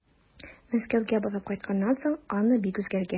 Мәскәүгә барып кайтканнан соң Анна бик үзгәргән.